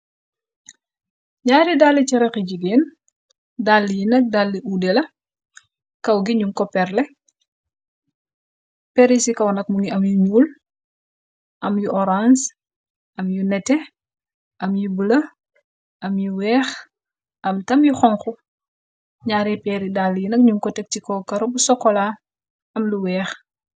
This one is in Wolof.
Naari dalli ci rexi jigéen dalli yi nag dalli uude la kaw gi ñum koperle perisi kaw nag mu ni am yu ñuul, am yu orange, am yu nete, am yu bula, am yu weex, am tam yu xonxu ,ñaari peeri dall yi nag ñum koteg ci kookaro bu sokola am lu weex.